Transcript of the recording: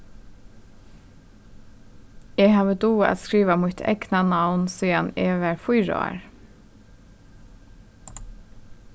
eg havi dugað at skrivað mítt egna navn síðan eg var fýra ár